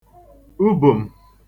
ubòm̀